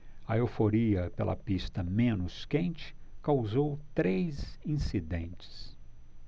a euforia pela pista menos quente causou três incidentes